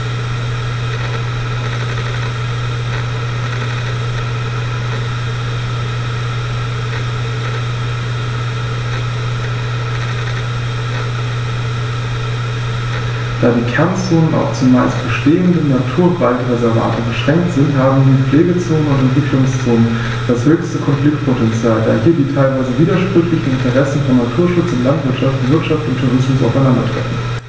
Da die Kernzonen auf – zumeist bestehende – Naturwaldreservate beschränkt sind, haben die Pflegezonen und Entwicklungszonen das höchste Konfliktpotential, da hier die teilweise widersprüchlichen Interessen von Naturschutz und Landwirtschaft, Wirtschaft und Tourismus aufeinandertreffen.